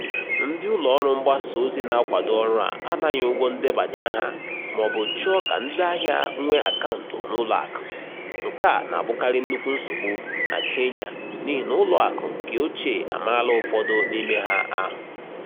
Ndị ụlọọrụ mgbasaozi na-akwado ọrụ a anaghị ụgwọ ndebanye aha maọbụ chọọ ka ndị ahịa nwee akaụntụ n'ụlọ akụ, nke a na-abụkarị nnukwu nsogbu na Kenya n'ihi na ụlọakụ keochie amarala ụfọdụ n'ime ha ahụ.